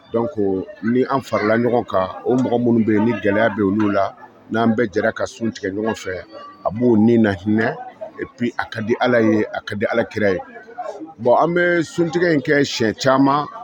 Dɔn ko ni an farila ɲɔgɔn kan o mɔgɔ minnu bɛ yen ni gɛlɛya bɛ olu la n'an bɛɛ jɛra ka sun tigɛ ɲɔgɔn fɛ a b'o ni na hinɛinɛ a ka di ala ye a ka di alaki ye bon an bɛ sun tigɛ in kɛ si caman